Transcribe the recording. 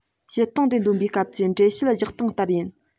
བཤད སྟངས དེ འདོན པའི སྐབས ཀྱི འགྲེལ བཤད རྒྱག སྟངས ལྟར ཡིན